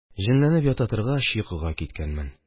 Җенләнеп ята торгач, йокыга киткәнмен.